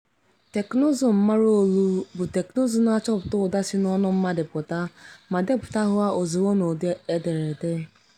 Teknụzụ mmara olu bụ teknụzụ na-achọpụta ụda si n'ọnụ mmadụ pụta ma deputa há ozugbo n'ụdị ederede.